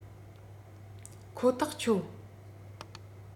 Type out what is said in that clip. ཁོ ཐག ཆོད